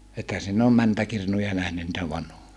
ethän sinä ole mäntäkirnuja nähnyt niitä vanhoja